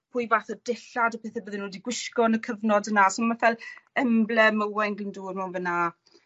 pwy fath o dillad a pethe bydde nw 'di gwisgo yn y cyfnod yna so ma' fel emblem Owain Glyndwr mewn fyn 'na.